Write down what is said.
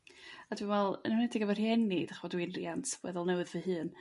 A dwi me'wl yn enwedig efo rhieni d'chmod dwi'n riant weddol newydd fy hun.